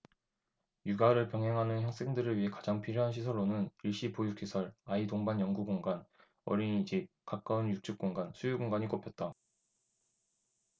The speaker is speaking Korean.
육아를 병행하는 학생들을 위해 가장 필요한 시설로는 일시 보육시설 아이 동반 연구 공간 어린이집 가까운 유축공간 수유공간이 꼽혔다